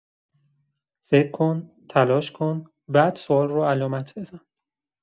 فکر کن، تلاش کن، بعد سؤال رو علامت بزن.